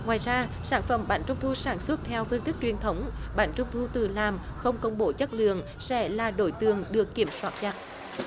ngoài ra sản phẩm bánh trung thu sản xuất theo phương thức truyền thống bánh trung thu tự làm không công bố chất lượng sẽ là đối tượng được kiểm soát chặt